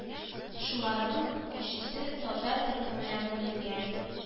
Шуларның өчесе татар төркеменә бүленгән